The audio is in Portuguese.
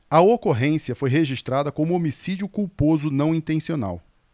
a ocorrência foi registrada como homicídio culposo não intencional